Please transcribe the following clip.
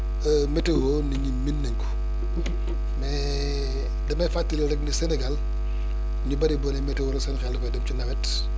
météo nit ñi miin nañ ko mais damay fàttali rek ne Sénégal ñu bëri boo nee météo rek seen xel dafay dem ci nawet